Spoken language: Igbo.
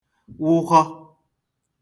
wụhwọ